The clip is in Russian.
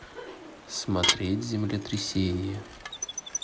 смотреть землетрясение